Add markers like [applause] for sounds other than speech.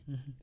[hesitation] [hesitation]